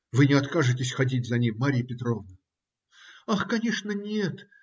Вы не откажетесь ходить за ним, Марья Петровна? - Ах, конечно нет!